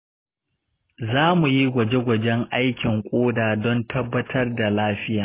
zamuyi gwaje-gwajen aikin ƙoda don tabbatar da lafiya.